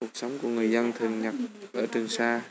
cuộc sống của người dân thường nhật ở trường sa